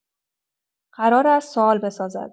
قرار است سوال بسازد.